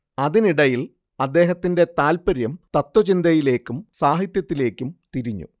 അതിനിടയിൽ അദ്ദേഹത്തിന്റെ താത്പര്യം തത്ത്വചിന്തയിലേക്കും സാഹിത്യത്തിലേക്കും തിരിഞ്ഞു